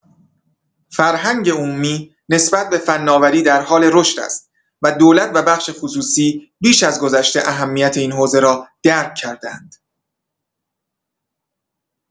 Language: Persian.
فرهنگ عمومی نسبت به فناوری در حال رشد است و دولت و بخش خصوصی بیش از گذشته اهمیت این حوزه را درک کرده‌اند.